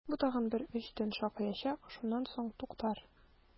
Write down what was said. Бу тагын бер өч төн шакыячак, шуннан соң туктар!